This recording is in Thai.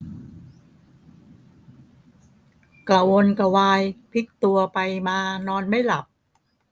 กระวนกระวายพลิกตัวไปมานอนไม่หลับ